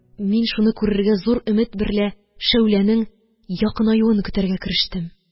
Мин шуны күрергә зур өмет берлә шәүләнең якынаюын көтәргә керештем.